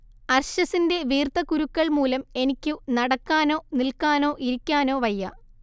അർശസിന്റെ വീർത്ത കുരുക്കൾ മൂലം എനിക്കു നടക്കാനോ നിൽക്കാനോ ഇരിക്കാനോ വയ്യ